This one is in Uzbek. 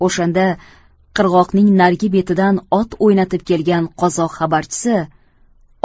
o'shanda qirg'oqning narigi betidan ot o'ynatib kelgan qozoq xabarchisi